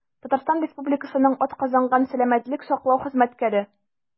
«татарстан республикасының атказанган сәламәтлек саклау хезмәткәре»